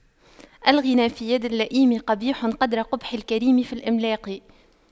الغنى في يد اللئيم قبيح قدر قبح الكريم في الإملاق